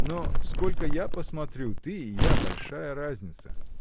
Но, сколько я посмотрю, ты и я – большая разница.